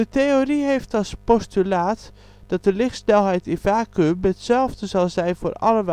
theorie heeft als postulaat dat de lichtsnelheid in vacuüm hetzelfde zal zijn voor alle